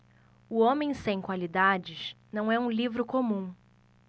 o homem sem qualidades não é um livro comum